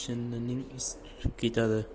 shinnining isi tutib ketadi